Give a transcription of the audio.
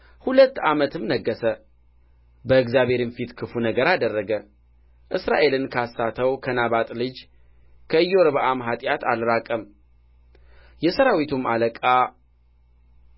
ሁለት ዓመትም ነገሠ በእግዚአብሔርም ፊት ክፉ ነገር አደረገ እስራኤልን ካሳተው ከናባጥ ልጅ ከኢዮርብዓም ኃጢአት አልራቀም የሠራዊቱም አለቃ